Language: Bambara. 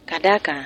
Ka da kan